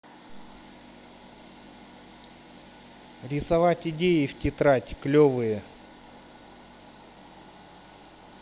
рисовать идеи в тетрадь клевые